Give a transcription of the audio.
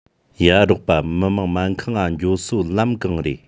ཡ རོགས པ མི དམངས སྨན ཁང ང འགྱོ སོ ལམ གང རེད